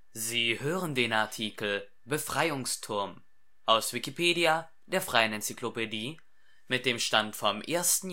Sie hören den Artikel Befreiungsturm, aus Wikipedia, der freien Enzyklopädie. Mit dem Stand vom Der